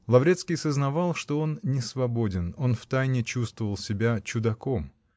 Лаврецкий сознавал, что он не свободен; он втайне чувствовал себя чудаком.